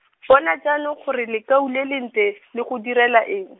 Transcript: bona jaanong gore lekau le lentle , le go dirile eng.